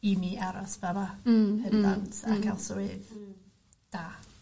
i mi aros fa' 'ma. Hmm hmm. ...pendant... Hmm. ...a ca'l swydd... Hmm. ...da.